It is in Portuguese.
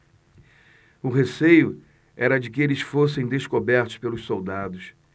o receio era de que eles fossem descobertos pelos soldados